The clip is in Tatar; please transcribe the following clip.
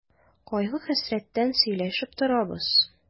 Кайгы-хәсрәттән сөйләшеп торабыз.